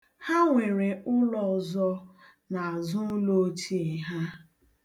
Azụụlọ ruru unyi.